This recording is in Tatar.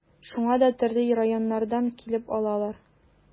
Шуңа да төрле районнардан килеп алалар.